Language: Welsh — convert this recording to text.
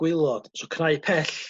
gwylod so cnau pell